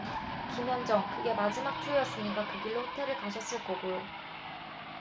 김현정 그게 마지막 투어였으니까 그 길로 호텔로 가셨을 거고